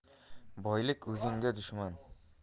boylik o'zingga dushman